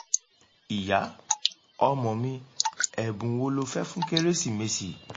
Ìyá: Ọmọ mi, ẹ̀bùn wo lo fẹ́ fún Kérésìmesì?